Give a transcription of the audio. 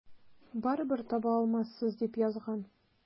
Барыбер таба алмассыз, дип язган.